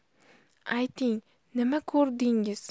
ayting nima ko'rdingiz